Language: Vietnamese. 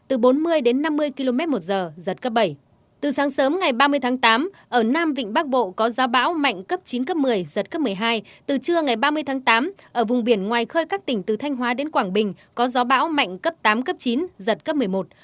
từ bốn mươi đến năm mươi ki lô mét một giờ giật cấp bảy từ sáng sớm ngày ba mươi tháng tám ở nam vịnh bắc bộ có gió bão mạnh cấp chín cấp mười giật cấp mười hai từ trưa ngày ba mươi tháng tám ở vùng biển ngoài khơi các tỉnh từ thanh hóa đến quảng bình có gió bão mạnh cấp tám cấp chín giật cấp mười một